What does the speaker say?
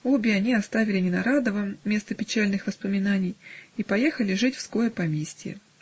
обе они оставили Ненарадово, место печальных воспоминаний, и поехали жить в ***ское поместье.